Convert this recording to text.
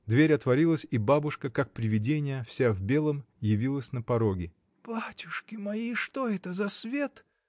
Дверь отворилась, и бабушка, как привидение, вся в белом, явилась на пороге. — Батюшки мои! что это за свет?